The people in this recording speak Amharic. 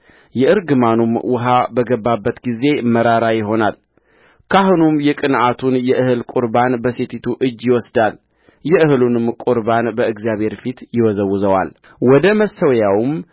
የእርግማኑም ውኃ በገባባት ጊዜ መራራ ይሆናልካህኑም የቅንዓቱን የእህል ቍርባን ከሴቲቱ እጅ ይወስዳል የእህሉንም ቍርባን በእግዚአብሔር ፊት ይወዘውዘዋል ወደ መሠዊያውም